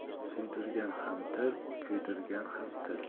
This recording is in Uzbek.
suydirgan ham til kuydirgan ham til